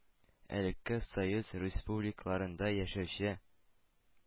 Элекке союз республикаларында яшәүче,